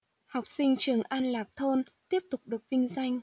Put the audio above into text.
học sinh trường an lạc thôn tiếp tục được vinh danh